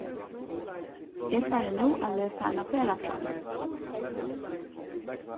eg fari nú at lesa eina ferðafrásøgn